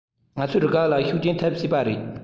ང ཚོའི རུ ཁག ལ ཤུགས རྐྱེན ཐེབས སྲིད པ རེད